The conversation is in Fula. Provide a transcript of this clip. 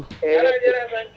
eyyi merci